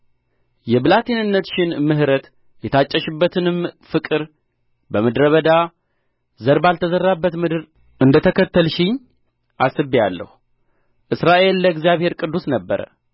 የብላቴንነትሽን ምሕረት የታጨሽበትንም ፍቅር በምድረ በዳ ዘር ባልተዘራበት ምድር እንደ ተከተልሽኝ አስቤአለሁ እስራኤል ለእግዚአብሔር ቅዱስ ነበረ